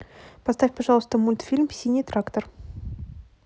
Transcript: поставь пожалуйста мультфильм синий трактор